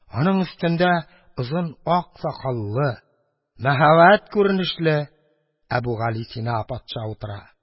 Аның өстендә озын ак сакаллы, мәһабәт күренешле Әбүгалисина патша утыра.